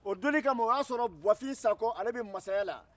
o donnin kama o y'a sɔrɔ buwafin sakɔ ale bɛ masaya la